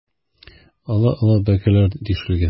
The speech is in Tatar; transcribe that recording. Олы-олы бәкеләр тишелгән.